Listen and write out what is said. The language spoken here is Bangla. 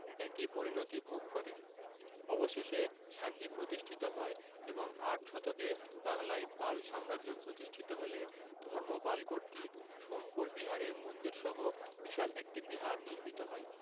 একই পরিণতি ভোগ করে অবশেষে শান্তি প্রতিষ্ঠিত হয় এবং আট শতকে বাংলায় পাল সাম্রাজ্য প্রতিষ্ঠিত হলে ধর্মপাল কর্তৃক সোমপুরে বিরাট মন্দিরসহ বিশাল একটি বিহার নির্মিত হয়